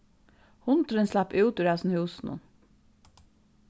hundurin slapp út úr hasum húsinum